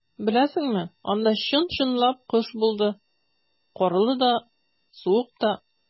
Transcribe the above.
Беләсеңме, анда чын-чынлап кыш булды - карлы да, суык та.